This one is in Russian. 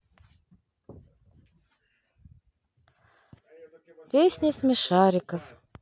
песни смешариков